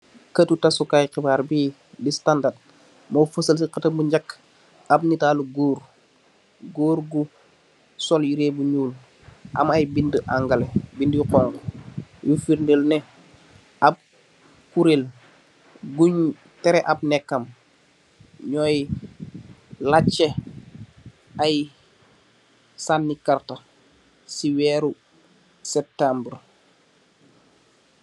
Kertu tasukaay xibaar bi de standard, mo feesal si xatam bu jankk ab nitaalu goor, goor gu sol bu nyuul, am ay binde Angale, bine yu xonxu, yu firdeel ne ab kurel gunj tere ab neekam, nyuy laace ay sanee karte si weer septambur.